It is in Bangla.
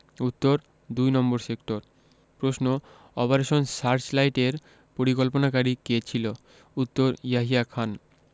উত্তর দুই নম্বর সেক্টর প্রশ্ন অপারেশন সার্চলাইটের পরিকল্পনাকারী কে ছিল উত্তর ইয়াহিয়া খান